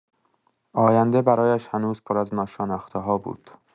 آینده برایش هنوز پر از ناشناخته‌ها بود.